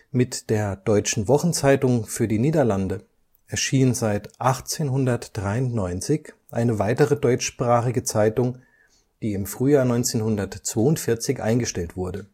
Mit der Deutschen Wochenzeitung für die Niederlande erschien seit 1893 eine weitere deutschsprachige Zeitung, die im Frühjahr 1942 eingestellt wurde